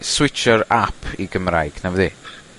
...switsio'r ap i Gymraeg na fyddi?